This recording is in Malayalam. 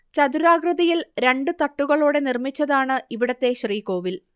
ചതുരാകൃതിയിൽ രണ്ട് തട്ടുകളോടെ നിർമ്മിച്ചതാണ് ഇവിടത്തെ ശ്രീകോവിൽ